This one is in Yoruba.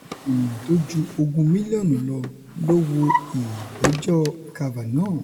Àwọn ènìyàn tó ju ogún mílíọ̀nù lọ ló wo ìgbẹ́jọ́ Kavanaugh